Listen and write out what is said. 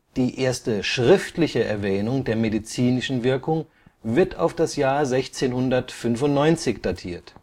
Die erste schriftliche Erwähnung der medizinischen Wirkung wird auf das Jahr 1695 datiert